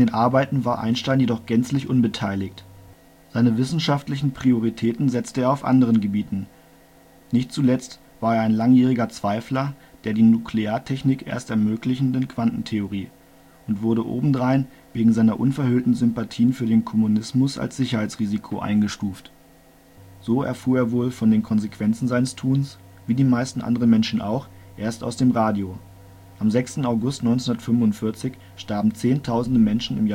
Arbeiten war Einstein jedoch gänzlich unbeteiligt: Seine wissenschaftlichen Prioritäten setzte er auf anderen Gebieten, nicht zuletzt war er ein langjähriger Zweifler der die Nukleartechnik erst ermöglichende Quantentheorie und wurde obendrein wegen seiner unverhüllten Sympathien für den Kommunismus als Sicherheitsrisiko eingestuft. So erfuhr er wohl von den Konsequenzen seines Tuns – wie die meisten anderen Menschen auch – erst aus dem Radio: Am 6. August 1945 starben Zehntausende Menschen